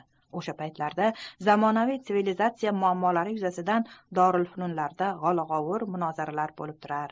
o'sha paytlarda zamonaviy sivilizatsiya muammolari yuzasidan dorilfununlarda olag'ovur munozaralar bo'lib turar